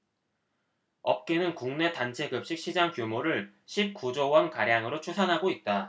업계는 국내 단체급식 시장 규모를 십 구 조원가량으로 추산하고 있다